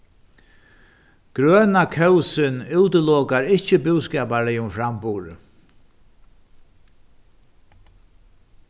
grøna kósin útilokar ikki búskaparligum framburði